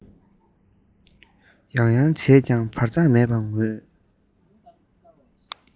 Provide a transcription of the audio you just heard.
ཡང ཡང བྱས ཀྱང བར མཚམས མེད པར ངུས